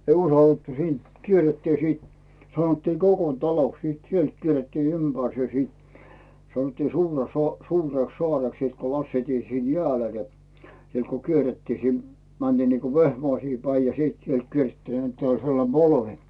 ei uskallettu siitä kierrettiin siitä sanottiin Kokon taloksi sitten sieltä kierrettiin ympäri siitä sanottiin - Suureksisaareksi sitten kun laskeuduttiin siihen jäälle ne sieltä kun kierrettiin sinne mentiin niin kuin Vehmaisiin päin ja sitten sieltä kierrettiin että oli sellainen polvi